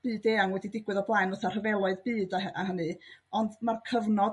byd eang wedi digwydd o'blaen fatha' rhyfeloedd byd a hynny ond ma'r cyfnod